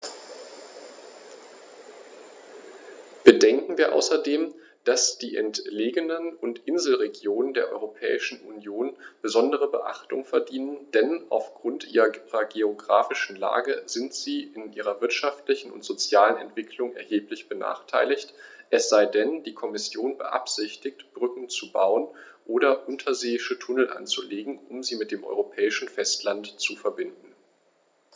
Bedenken wir außerdem, dass die entlegenen und Inselregionen der Europäischen Union besondere Beachtung verdienen, denn auf Grund ihrer geographischen Lage sind sie in ihrer wirtschaftlichen und sozialen Entwicklung erheblich benachteiligt - es sei denn, die Kommission beabsichtigt, Brücken zu bauen oder unterseeische Tunnel anzulegen, um sie mit dem europäischen Festland zu verbinden.